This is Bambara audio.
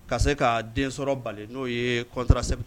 Ka se kaa den sɔrɔ bali n'o ye contracept